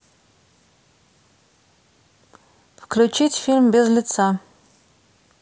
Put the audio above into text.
включить фильм без лица